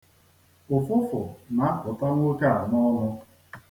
Ụfụfụ na-apụta nwoke a n'ọnụ.